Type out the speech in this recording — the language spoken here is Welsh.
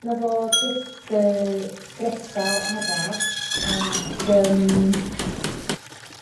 'na fo jyst yy dresal arall ag yym